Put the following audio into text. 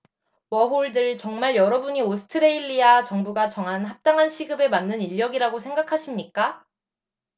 워홀들 정말 여러분이 오스트레일리아 정부가 정한 합당한 시급에 맞는 인력이라고 생각하십니까